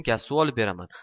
gaz suv oberaman